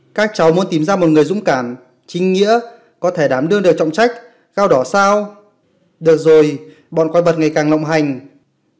các cháu muốn tìm ra một người dũng cảm chính ngĩa có thể đảm đương đương được trọng trách gao đỏ sao được rồi bọn quái vật ngày càng lộng hành